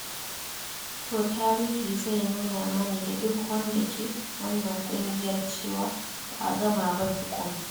Toh Tarihi zai nuna mani da duk wanda ke wannan kungiyar cewa ba’a gama ba tukun.